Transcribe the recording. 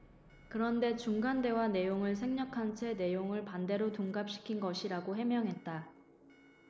그런데 중간 대화 내용을 생략한 채 내용을 반대로 둔갑시킨 것이라고 해명했다